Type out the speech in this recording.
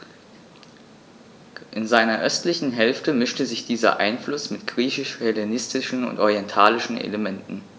In seiner östlichen Hälfte mischte sich dieser Einfluss mit griechisch-hellenistischen und orientalischen Elementen.